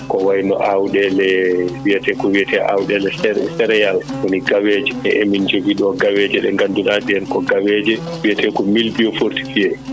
ko wayi no aawɗeele mbiyetee ko wiyetee aawɗeele céréal woni gaweeje e emin jogii ɗo gaweeje ɗe ngannduɗaa ɗeen ko gaweeje mil biofortié